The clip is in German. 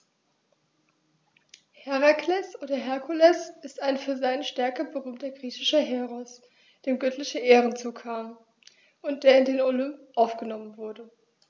Herakles oder Herkules ist ein für seine Stärke berühmter griechischer Heros, dem göttliche Ehren zukamen und der in den Olymp aufgenommen wurde.